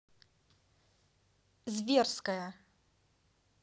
зверская